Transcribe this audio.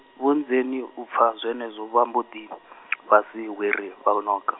Vho Nnzeni u pfa zwenezwo vha mbo ḓi, fhasi hwiri, vha vho ṋoka.